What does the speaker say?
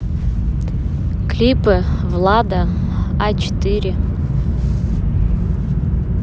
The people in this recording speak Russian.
клипы влада а четыре